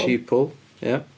Sheeple ie.